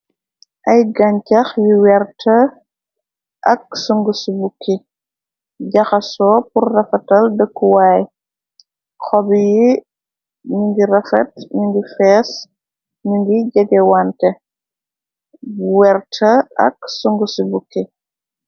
Ay gancax yu weerta ak sungu ci bukki jaxa soo pur rafatal dëkkuwaay xob yi ningi rafet ningi fees ni ngi jege wante werta ak sungu ci bukki.